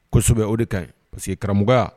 Kosɛbɛ o de kan ɲi pa parce que karamɔgɔya